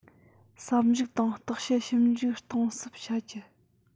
བསམ གཞིགས དང བརྟག དཔྱད ཞིབ འཇུག གཏིང ཟབ བྱ རྒྱུ